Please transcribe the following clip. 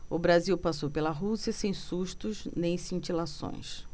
o brasil passou pela rússia sem sustos nem cintilações